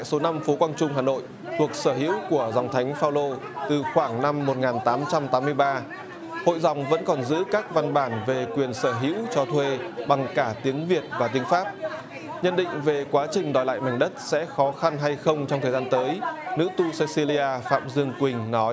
số năm phố quang trung hà nội thuộc sở hữu của dòng thánh phao nô từ khoảng năm một ngàn tám trăm tám mươi ba hội dòng vẫn còn giữ các văn bản về quyền sở hữu cho thuê bằng cả tiếng việt và tiếng pháp nhận định về quá trình đòi lại mảnh đất sẽ khó khăn hay không trong thời gian tới nữ tu sê sê li a phạm dương quỳnh nói